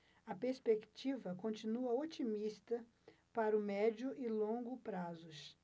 a perspectiva continua otimista para o médio e longo prazos